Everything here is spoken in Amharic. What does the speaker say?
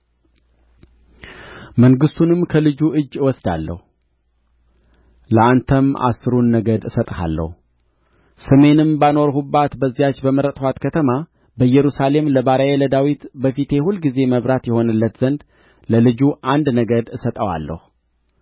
መንግሥቱንም ከልጁ እጅ እወስዳለሁ ለአንተም አሥሩን ነገድ እሰጥሃለሁ ስሜንም ባኖርሁባት በዚያች በመረጥኋት ከተማ በኢየሩሳሌም ለባሪያዬ ለዳዊት በፊቴ ሁልጊዜ መብራት ይሆንለት ዘንድ ለልጁ አንድ ነገድ እሰጠዋለሁ